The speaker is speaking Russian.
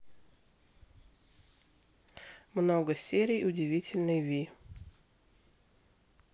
много серий удивительной ви